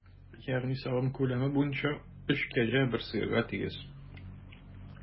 Ягъни савым күләме буенча өч кәҗә бер сыерга тигез.